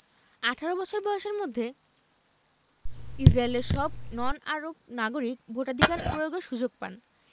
১৮ বছর বয়সের মধ্যে ইসরায়েলের সব নন আরব নাগরিক ভোটাধিকার প্রয়োগের সুযোগ পান